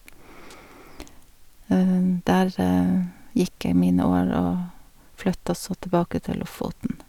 Der gikk jeg mine år og flytta så tilbake til Lofoten.